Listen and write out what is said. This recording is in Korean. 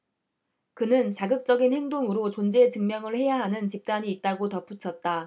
그는 자극적인 행동으로 존재증명을 해야 하는 집단이 있다고 덧붙였다